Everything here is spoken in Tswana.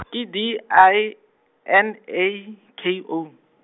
ke D I, N A, K O.